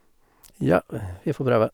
Ja, vi får prøve.